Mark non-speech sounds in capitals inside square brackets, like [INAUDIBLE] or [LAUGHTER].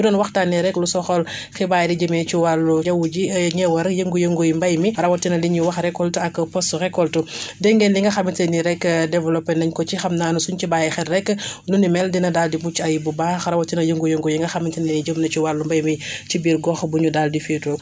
mu doon waxtaanee rek lu soxal xibaar yi jëmee ci wàllu jaww ji [HESITATION] ñi waral yëngu-yënguy mbéy mi rawatina li ñuy wax récolte ak post récolte [BREATH] dégg ngeen li nga xamante ne nii rek [HESITATION] développé nañ ko ci xam naa ne su ñu ci bàyyee xel rek [BREATH] li ni mel dina daal di mujj ayib bu baax rawatina yëngu-yëngu yi nga xamante ne nii jëm na ci wàllum mbéy mi [BREATH] ci biir gox bu ñuy daal di féetewoo